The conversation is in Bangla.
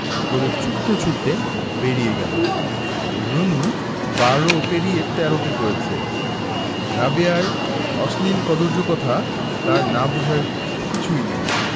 বলে ছুটতে ছুটতে বেরিয়ে গেল রুনু বারো পেরিয়ে তেরোতে পড়েছে রাবেয়ার অশ্লীল কদৰ্য কথা তার না বুঝার কিছুই নেই